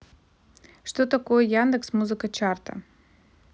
что такое яндекс музыка чарта